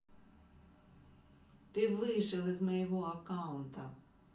ты вышел из моего аккаунта